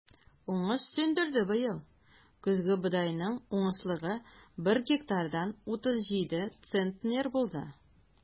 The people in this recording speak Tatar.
Уңыш сөендерде быел: көзге бодайның уңышлылыгы бер гектардан 37 центнер булды.